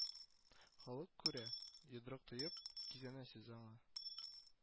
Халык күрә: йодрык төеп, кизәнәсез аңа